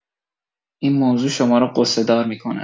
این موضوع شما را غصه‌دار می‌کند.